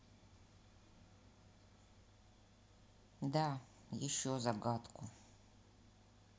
да еще загадку